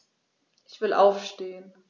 Ich will aufstehen.